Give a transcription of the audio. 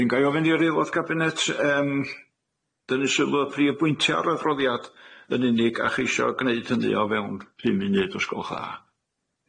'Dyn ga i ofyn i'r eulod cabinet yym dynnu sylw y prif bwyntia o'r adroddiad yn unig a cheisho gneud hynny o fewn pum munud os gwelwch dda.